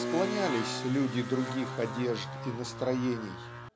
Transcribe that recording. склонялись люди других одежд и настроений.